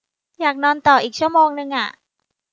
อยากนอนต่ออีกชั่วโมงนึงอะ